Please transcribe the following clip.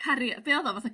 ...caria- be' odd o fatha